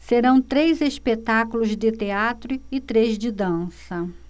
serão três espetáculos de teatro e três de dança